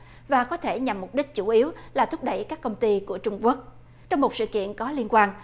và có thể nhằm mục đích chủ yếu là thúc đẩy các công ty của trung quốc trong một sự kiện có liên quan